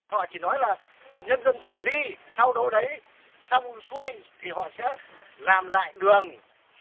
họ chỉ nói là nhân dân chuyển đi sau đâu đấy xong xuôi thì họ sẽ làm lại đường